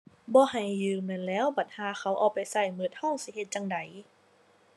บ่ให้ยืมนั่นแหล้ว บัดห่าเขาเอาไปใช้เบิด ใช้สิเฮ็ดจั่งใด